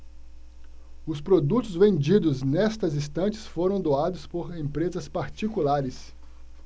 os produtos vendidos nestas estantes foram doados por empresas particulares